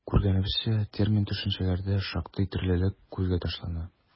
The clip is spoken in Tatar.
Күргәнебезчә, термин-төшенчәләрдә шактый төрлелек күзгә ташлана.